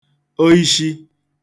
oishi